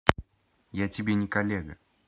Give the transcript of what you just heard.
я тебе не коллега